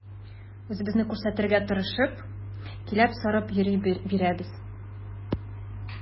Үзебезне күрсәтергә тырышып, киләп-сарып йөри бирәбез.